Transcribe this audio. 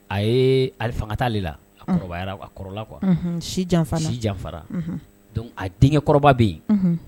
A ye ali fangata de la a kɔrɔ kɔrɔla kuwa si janfa si janfa a denkɛ kɔrɔ bɛ yen